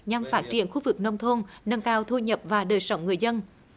nhằm phát triển khu vực nông thôn nâng cao thu nhập và đời sống người dân